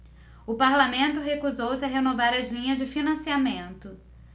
o parlamento recusou-se a renovar as linhas de financiamento